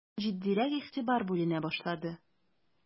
Җитдирәк игътибар бүленә башлады.